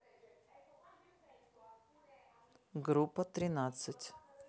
группа тринадцать